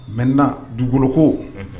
Maintenant dugukolo ko.